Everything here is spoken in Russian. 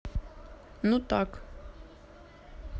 ну так